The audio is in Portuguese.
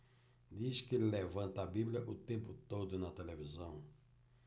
diz que ele levanta a bíblia o tempo todo na televisão